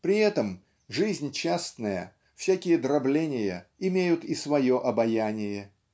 При этом жизнь частная, всякие дробления имеют и свое обаяние